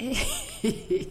Un